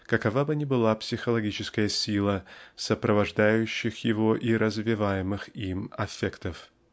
какова бы ни была психологическая сила сопровождающих его и развиваемых им аффектов.